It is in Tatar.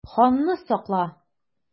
Ханны сакла!